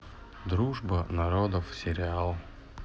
дружба народов сериал